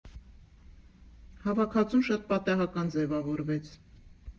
Հավաքածուն շատ պատահական ձևավորվեց։